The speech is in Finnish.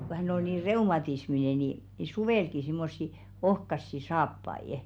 kun hän oli niin reumatisminen niin niin suvellakin semmoisia ohkaisia saappaita